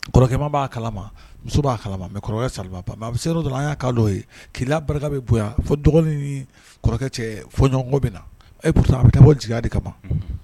Kɔrɔkɛma ba kalama muso ba kalama. Mais kɔrɔkɛ ti se ka kuma a fɛ. Mais a bi se yɔrɔ dɔ la, an ya ka dɔ ye. Keleya barika bɛ bonya fo dɔgɔnin ni kɔrɔkɛ cɛ fɔɲɔgɔn kɔ bɛ na. et pourtant a bi dabɔ jigiya de kama.